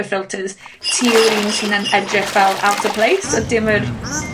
y filters, ti yw'r un sy'n yn edrych fel out of place a dim yr... Hmm.